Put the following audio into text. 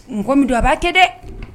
Mɔgɔ mindo a b'a kɛ dɛ